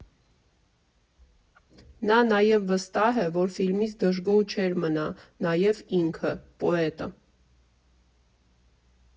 Նա նաև վստահ է, որ ֆիլմից դժգոհ չէր մնա նաև ինքը՝ պոետը։